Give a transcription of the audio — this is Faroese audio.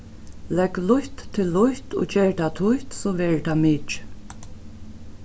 legg lítt til lítt og ger tað títt so verður tað mikið